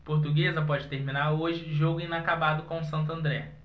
portuguesa pode terminar hoje jogo inacabado com o santo andré